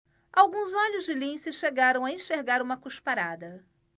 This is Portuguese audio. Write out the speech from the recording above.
alguns olhos de lince chegaram a enxergar uma cusparada